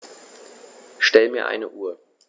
Stell mir eine Uhr.